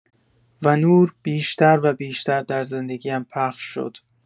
و نور، بیشتر و بیشتر در زندگی‌ام پخش شد.